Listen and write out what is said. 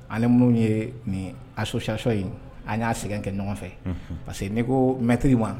An ni minnu ye nin association in an y'a sɛgɛn kɛ ɲɔgɔn fɛ parce que ni ko maître ma